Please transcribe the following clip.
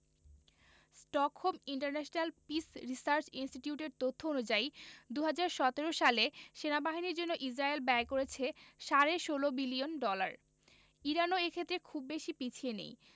Stockholm International Peace Research ইনস্টিটিউটের তথ্য অনুযায়ী ২০১৭ সালে সেনাবাহিনীর জন্য ইসরায়েল ব্যয় করেছে সাড়ে ১৬ বিলিয়ন ডলার ইরানও এ ক্ষেত্রে খুব বেশি পিছিয়ে নেই